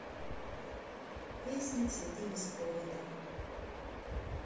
песня цветы без повода